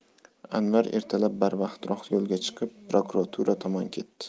anvar ertalab barvaqtroq yo'lga chiqib prokuratura tomon ketdi